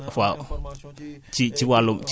Fora waaw noonu laa ko